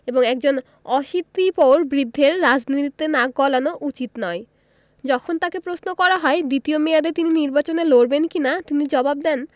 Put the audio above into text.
এবং একজন অশীতিপর বৃদ্ধের রাজনীতিতে নাক গলানো উচিত নয় যখন তাঁকে প্রশ্ন করা হয় দ্বিতীয় মেয়াদে তিনি নির্বাচনে লড়বেন কি না তিনি জবাব দেন